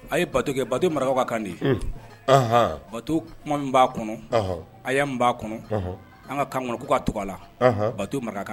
A ye batokɛ bato mara ka kan de bato kuma min b'a kɔnɔ a' b'a kɔnɔ an ka kan kɔnɔ k'u ka to a la bato mara kan